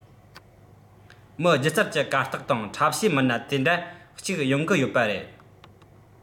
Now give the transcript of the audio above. མི སྒྱུ རྩལ གྱི གར སྟེགས སྟེང འཁྲབ བྱའི མི སྣ དེ འདྲ གཅིག ཡོང གི ཡོད པ རེད